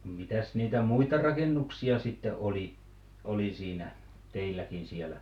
no mitäs niitä muita rakennuksia sitten oli oli siinä teilläkin siellä